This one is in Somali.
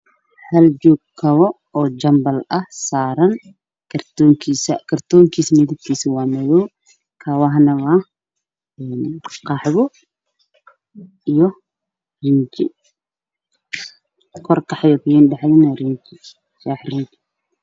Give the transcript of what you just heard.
Hal joog kabo janbal ah saaran karton kiisa kartoonkiisa waa madow